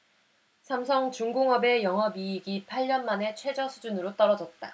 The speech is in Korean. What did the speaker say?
삼성중공업의 영업이익이 팔 년 만에 최저수준으로 떨어졌다